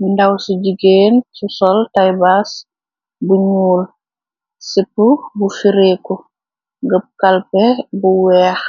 mindaw ci jigeen ci sol taybaas bu ñuul sip bu fireeku gëb kalpe bu weex